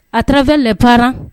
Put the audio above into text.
A tarawele bɛlɛra